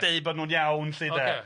Deud bod nhw'n iawn 'lly 'de ocê.